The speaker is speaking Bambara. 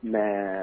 Naamu